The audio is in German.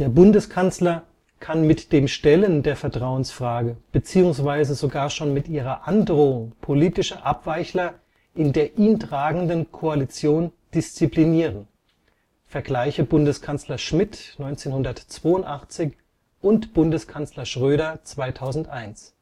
Bundeskanzler kann mit dem Stellen der Vertrauensfrage bzw. sogar schon mit ihrer Androhung politische Abweichler in der ihn tragenden Koalition disziplinieren (vgl. Bundeskanzler Schmidt 1982 und Bundeskanzler Schröder 2001